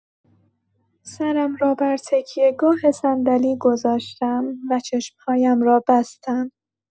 سرم را بر تکیه‌گاه صندلی گذاشتم و چشم‌هایم را بستم.